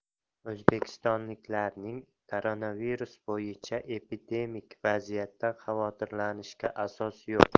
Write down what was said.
o'zbekistonliklarning koronavirus bo'yicha epidemik vaziyatdan xavotirlanishiga asos yo'q